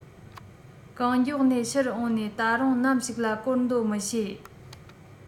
གང མགྱོགས ནས ཕྱིར འོང ནས ད རུང ནམ ཞིག ལ བསྐོར འདོད མི ཤེས